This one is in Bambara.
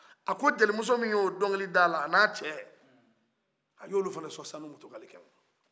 a ko jeli muso min ye o donkili da a la o ni a cɛ a ye olu fana sɔn sanu mutugali kɛmɛ